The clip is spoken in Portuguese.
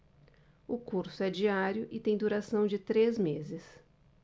o curso é diário e tem duração de três meses